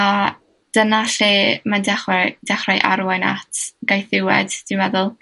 a, dyna lle mae'n dechre dechrau arwain at gaethiwed, dwi'n meddwl.